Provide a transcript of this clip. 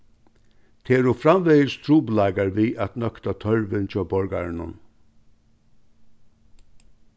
tað eru framvegis trupulleikar við at nøkta tørvin hjá borgarunum